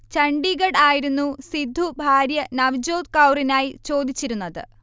ഛണ്ഡീഗഡ് ആയിരുന്നു സിദ്ധു ഭാര്യ നവ്ജോത് കൗറിനായി ചോദിച്ചിരുന്നത്